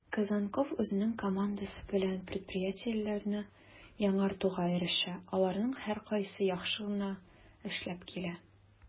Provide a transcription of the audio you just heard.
Козонков үзенең командасы белән предприятиеләрне яңартуга ирешә, аларның һәркайсы яхшы гына эшләп килә: